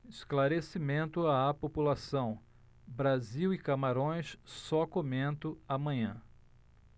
esclarecimento à população brasil e camarões só comento amanhã